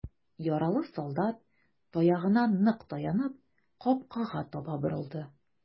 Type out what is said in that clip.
Яралы солдат, таягына нык таянып, капкага таба борылды.